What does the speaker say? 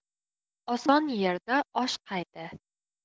oson yerda osh qayda